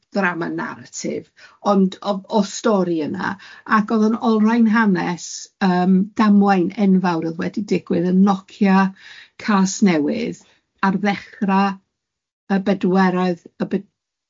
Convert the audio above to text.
ddim yn ddrama naratif, ond o- o stori yna, ac oedd yn olrhain hanes yym damwain enfawr oedd wedi digwydd yn Nokia Casnewydd ar ddechra y bedwaredd y bed-